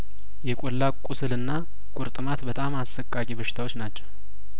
የቆላ ቁስልና ቁርጥ ማት በጣም አሰቃቂ በሽታዎች ናቸው